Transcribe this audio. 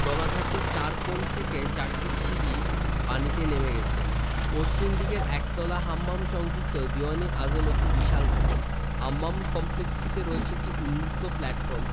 জলাধারটির চার কোণ থেকে চারটি সিঁড়ি পানিতে নেমে গেছে পশ্চিমদিকের একতলা হাম্মাম সংযুক্ত দীউয়ান ই আম একটি বিশাল ভবন হাম্মাম কমপ্লেক্সটিতে রয়েছে একটি উন্মুক্ত প্লাটফর্ম